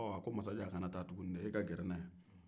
a ko masajan kana taa tugun dɛ e ka gɛrɛ n na yan